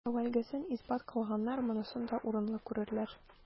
Әүвәлгесен исбат кылганнар монысын да урынлы күрерләр.